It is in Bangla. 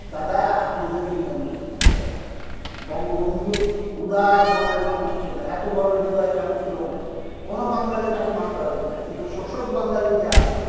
দাদা আপনাদের কে নিয়ে আমি চিন্তিত আছি বঙ্গবন্ধু উদার মনের মানুষ ছিলেন এত বড় হৃদয় কারো ছিল না কোন বাঙালি তাকে মারতে পারবে না কিন্তু শোষক বাঙালি যে আছে